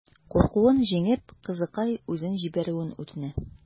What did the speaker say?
Куркуын җиңеп, кызыкай үзен җибәрүен үтенә.